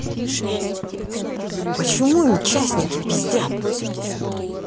почему им частники пиздят